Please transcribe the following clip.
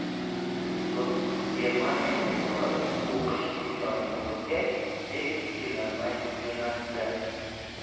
so'ng germaniyaga borib o'qish imkoni tug'ilgach hech ikkilanmay jo'natdi